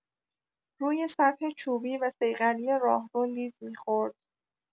روی سطح چوبی و صیقلی راهرو لیز می‌خورد